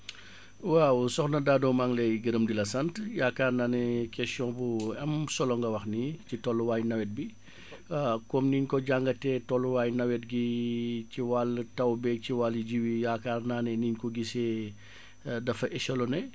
waaw soxna Dado maa ngi lay gërëm di la sant yaakaar naa ne question bu am solo nga wax nii si tolluwaayu nawet bi waa comme ni ñu ko jàngatee tolluwaayu nawet gi ci wàll taw beeg ci wàll jiwu yi yaakaar naa ni ni ñu ko gisee dafa échelonné